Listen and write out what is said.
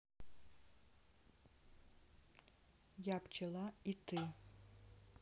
я пчела и ты